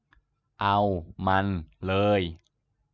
เอามันเลย